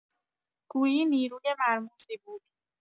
گویی نیروی مرموزی بود.